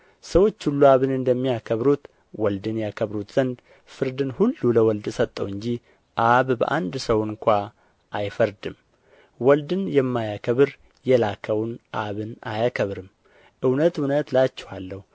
ሰዎች ሁሉ አብን እንደሚያከብሩት ወልድን ያከብሩት ዘንድ ፍርድን ሁሉ ለወልድ ሰጠው እንጂ አብ በአንድ ሰው ስንኳ አይፈርድም ወልድን የማያከብር የላከውን አብን አያከብርም እውነት እውነት እላችኋለሁ